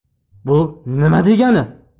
bu nima degani